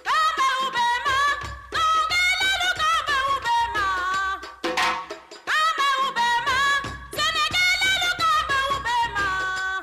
Faama bɛ ma faama ka ba bɛ ba faama bɛ ma tile kun bɛ ba